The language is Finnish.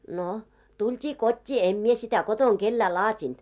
no tultiin kotiin en minä sitä kotona kenellekään laatinut